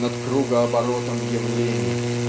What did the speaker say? над кругооборотом явлений